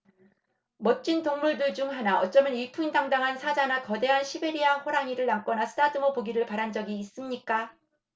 멋진 동물들 중 하나 어쩌면 위풍당당한 사자나 거대한 시베리아호랑이를 안거나 쓰다듬어 보기를 바란 적이 있습니까